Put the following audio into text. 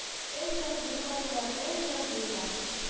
Әй җырлыйлар болар әй җырлыйлар